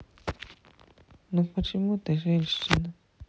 ну почему ты женщина